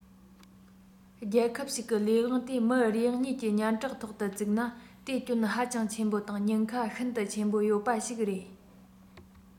རྒྱལ ཁབ ཞིག གི ལས དབང དེ མི རེ གཉིས ཀྱི སྙན གྲགས ཐོག ཏུ བཙུགས ན དེ སྐྱོན ཧ ཅང ཆེན པོ དང ཉེན ཁ ཤིན ཏུ ཆེན པོ ཡོད པ ཞིག རེད